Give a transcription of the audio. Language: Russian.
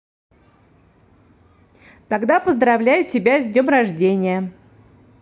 тогда поздравляю тебя с днем рождения